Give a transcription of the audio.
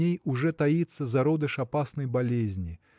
в ней уже таится зародыш опасной болезни